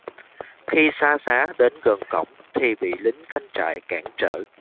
khi xa giá đến gần cổng thì bị lính canh trại cản trở